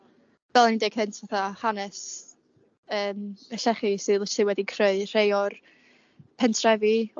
fel oni'n deud cynt fatha' hanes llechi sydd literally wedi creu rhei o'r pentrefi o gwmpas